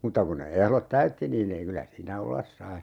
mutta kun ne ehdot täytti niin ei kyllä siinä olla sai